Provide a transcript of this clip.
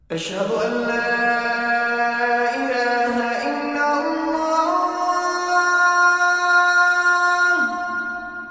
Sa le hinɛ hinɛ mɔ